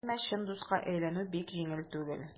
Әмма чын дуска әйләнү бик җиңел түгел.